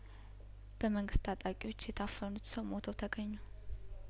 በመንግስት ታጣቂዎች የታፈኑት ሰው ሞተው ተገኙ